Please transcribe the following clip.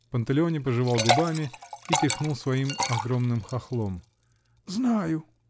Панталеоне пожевал губами и тряхнул своим огромным хохлом. -- Знаю.